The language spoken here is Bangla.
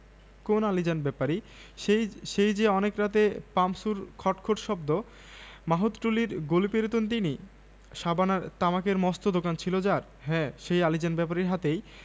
সে পলাতকা ঝরনার জল শাসনের পাথর ডিঙ্গিয়ে চলে তার মনটি যেন বেনূবনের উপরডালের পাতা কেবলি ঝির ঝির করে কাঁপছে আজ দেখি সেই দূরন্ত মেয়েটি বারান্দায় রেলিঙে ভর দিয়ে চুপ করে দাঁড়িয়ে